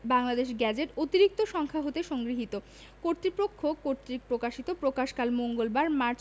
Bangladesh gazette অতিরিক্ত সংখ্যা হতে সংগৃহীত কতৃপক্ষ কর্তৃক প্রকাশিত প্রকাশকালঃ মঙ্গলবার মার্চ